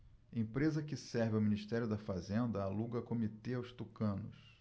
empresa que serve ao ministério da fazenda aluga comitê aos tucanos